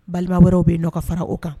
Balabaa wɛrɛw bɛ ka fara o kan